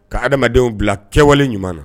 Ka ha adamadamadenw bila kɛwale ɲuman na